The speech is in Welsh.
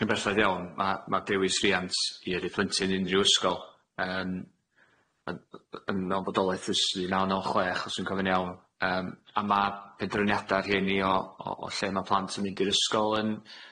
'Dach chi'n berffaith iawn ma' ma' dewis rhiant i yrru plentyn i unrhyw ysgol yym ma'n yy mewn bodolaeth ers un naw naw chwech os dwi'n cofio'n iawn yym a ma' penderfyniada rhieni o o o lle ma' plant yn mynd i'r ysgol yn